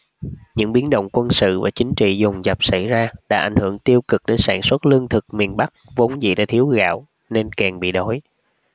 những biến động quân sự và chính trị dồn dập xảy ra đã ảnh hưởng tiêu cực đến sản xuất lương thực miền bắc vốn dĩ đã thiếu gạo nên càng bị đói